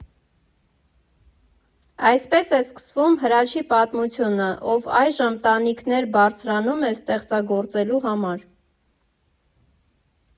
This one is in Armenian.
Այսպես է սկսվում Հրաչի պատմությունը, ով այժմ տանիքներ բարձրանում է ստեղծագործելու համար։